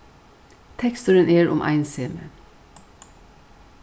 teksturin er um einsemi